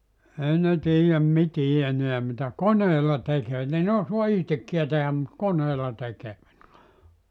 ei ne tiedä mitään enää mitä koneella tekee ei ne ne osaa itsekään tehdä mutta koneella tekevät vain